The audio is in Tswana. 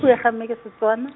puo ya ga mme ke Setswana.